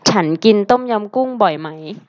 ฉันกินต้มยำกุ้งบ่อยไหม